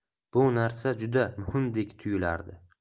bu narsa juda muhimdek tuyulardi